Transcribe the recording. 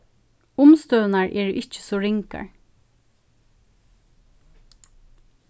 umstøðurnar eru ikki so ringar